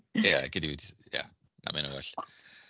. Ie gei 'di . Ia na ma' hynna'n well.